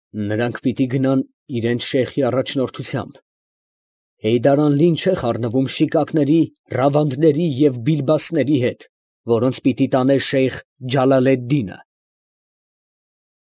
Նրանք պիտի գնան իրանց Շեյխի առաջնորդությամբ. Հեյդարանլին չէ խառնվում Շիկակների, Ռավանդների և Բիլբաստների հետ, որոնց պիտի տանե Շեյխ Ջալալեդդինը։